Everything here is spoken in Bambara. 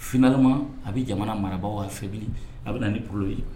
Finalamalama a bɛ jamana marabagaw wari fɛbi a bɛ na ni bolo ye